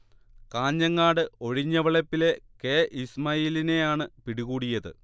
കാഞ്ഞങ്ങാട് ഒഴിഞ്ഞവളപ്പിലെ കെ ഇസ്മായിലിനെ യാണ് പിടികൂടിയത്